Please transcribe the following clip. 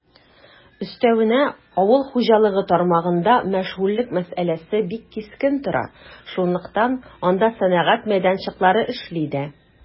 Өстәвенә, авыл хуҗалыгы тармагында мәшгульлек мәсьәләсе бик кискен тора, шунлыктан анда сәнәгать мәйданчыклары эшли дә.